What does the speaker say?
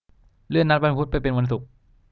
เลื่อนนัดวันพุธไปเป็นวันศุกร์